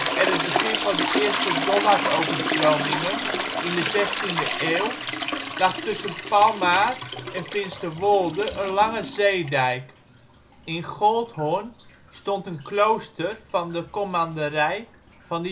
en het begin van de eerste Dollardoverstromingen in de zestiende eeuw lag tussen Palmaer en Finsterwolde een lange zeedijk. In Goldhoorn stond een klooster van de Commanderij van